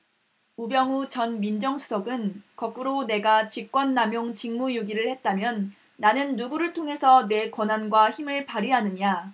우병우 전 민정수석은 거꾸로 내가 직권남용 직무유기를 했다면 나는 누구를 통해서 내 권한과 힘을 발휘하느냐